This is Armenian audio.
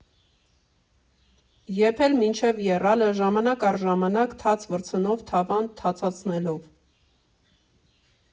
Եփել մինչև եռալը՝ ժամանակ առ ժամանակ թաց վրձնով թավան թացացնելով։